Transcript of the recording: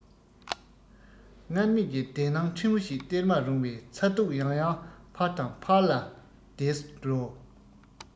སྔར མེད ཀྱི བདེ སྣང ཕྲན བུ ཞིག སྟེར མ རུངས པའི ཚ གདུག ཡང ཡང ཕར དང ཕར ལ བདས འགྲོ